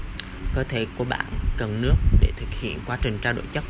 cơ thể của bạn cần nước để thực hiện quá trình trao đổi chất